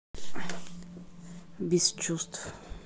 без чувств